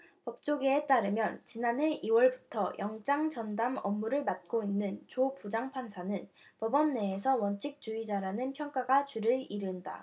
법조계에 따르면 지난해 이 월부터 영장전담 업무를 맡고 있는 조 부장판사는 법원 내에서 원칙주의자라는 평가가 주를 이룬다